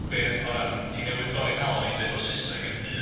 Be... o ran ti newydd dorri nghalon i yn deud bod Saesneg yn hŷn.